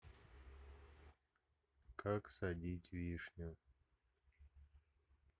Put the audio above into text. как садить вишню